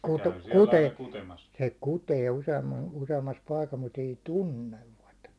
-- se kutee - useammassa paikassa mutta ei tuntevat